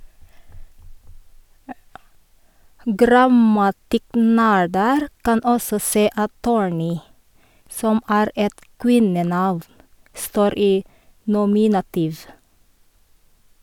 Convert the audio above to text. Grammatikknerder kan også se at Thorni, som er et kvinnenavn, står i nominativ.